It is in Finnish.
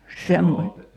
-